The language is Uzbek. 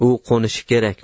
u qo'nishi kerak